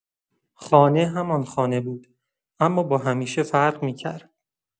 خانه همان خانه بود، اما با همیشه فرق می‌کرد.